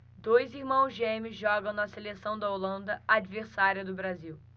dois irmãos gêmeos jogam na seleção da holanda adversária do brasil